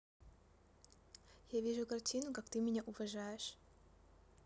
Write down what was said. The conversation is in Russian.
я вижу картину как ты меня уважаешь